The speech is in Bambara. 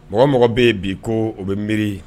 Mɔgɔ mɔgɔ bɛ bi ko o bɛ miiri